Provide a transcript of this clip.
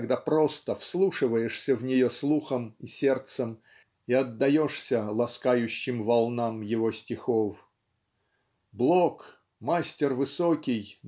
когда просто вслушиваешься в нее слухом и сердцем и отдаешься ласкающим волнам его стихов. Блок мастер высокий